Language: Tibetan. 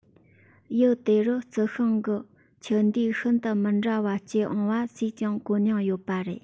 ཡུལ དེ རུ རྩི ཤིང གི ཁྱུ འདུས ཤིན ཏུ མི འདྲ བ སྐྱེས འོངས པ སུས ཀྱང གོ མྱོང ཡོད པ རེད